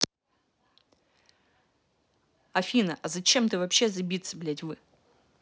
афина а зачем ты вообще забиться блядь вы